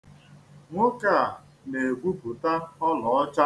Nwoke a na-egwupụta ọlaọcha.